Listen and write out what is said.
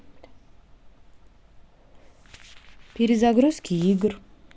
перезагрузки игр